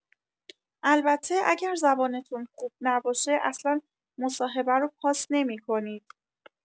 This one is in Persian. البته اگر زبانتون خوب نباشه اصلا مصاحبه رو پاس نمی‌کنید.